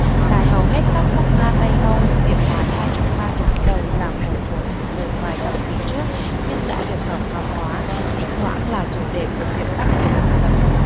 tại hầu hết các quốc gia tây âu việc phá thai trong ba tháng đầu là một tội hình sự vài thập kỷ trước nhưng đã được hợp pháp hóa thỉnh thoảng là chủ đề của việc bắt buộc tư vấn